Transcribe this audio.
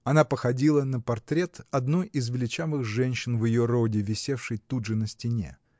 Она походила на портрет одной из величавых женщин в ее роде, висевший тут же на стене.